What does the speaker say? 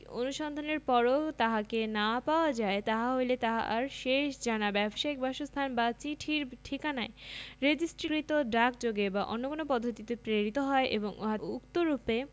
অনুসন্ধানের পরও তাহাকে না পাওয়া যায় তাহা হইলে তাহার শেষ জানা ব্যবসায়িক বাসস্থান বা চিঠির ঠিকানায় রেজিষ্ট্রিকৃত ডাকযোগে বা অন্য কোন পদ্ধতিতে প্রেরিত হয় এবং উহাতে উক্তরূপে